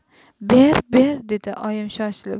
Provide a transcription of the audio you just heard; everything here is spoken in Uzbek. ber ber dedi oyim shoshilib